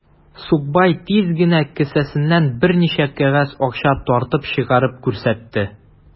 Сукбай тиз генә кесәсеннән берничә кәгазь акча тартып чыгарып күрсәтте.